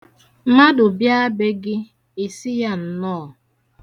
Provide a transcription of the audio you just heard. Mmadụ bịa be gị, i sị ya nnọọ.